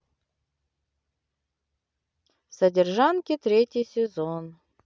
содержанки третий сезон